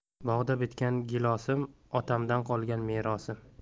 bog'da bitgan gilosim otamdan qolgan merosim